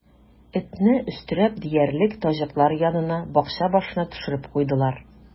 Этне, өстерәп диярлек, таҗиклар янына, бакча башына төшереп куйдылар.